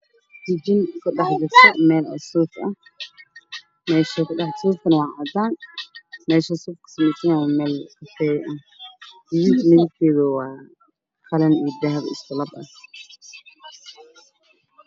Waxaa ii muuqda katin dul saaran suuf midabkiisi yahay caddaan iyo qalin dahabi ah